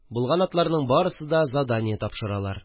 Булган атларның барысы да задание тапшыралар